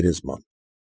Գերեզման։